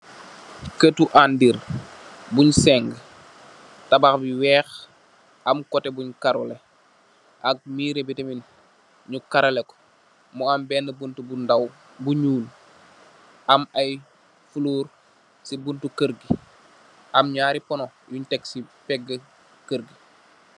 Kèr tu andirr buñ seng tabax bu wèèx am koteh buñ karó leh ak miri bi yitam ni karó leh ko, mu am benna buntu bu ndaw bu ñuul am ay fulor si buntu kér ngi am ñaari puno yin tèg ci pegg kèr ngi.